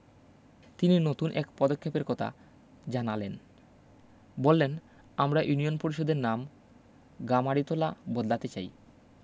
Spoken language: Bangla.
তিনি নতুন এক পদক্ষেপের কথা জানালেন বললেন আমরা ইউনিয়ন পরিষদের নাম গামারিতলা বদলাতে চাই